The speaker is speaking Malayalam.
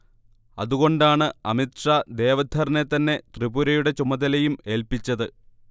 അതുകൊണ്ടാണ് അമിത് ഷാ ദേവധറിനെ തന്നെ ത്രിപുരയുടെ ചുമതലയും ഏൽപിച്ചത്